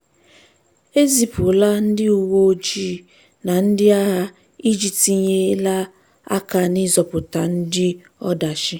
Ezipụla ndị uwe ojii na ndị agha iji tinyela aka n'ịzọpụta ndị ọdachi.